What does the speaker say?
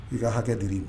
I ka hakɛ d i ma